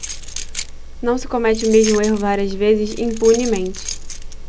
não se comete o mesmo erro várias vezes impunemente